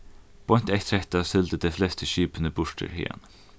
beint eftir hetta sigldu tey flestu skipini burtur haðani